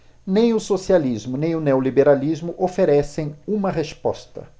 nem o socialismo nem o neoliberalismo oferecem uma resposta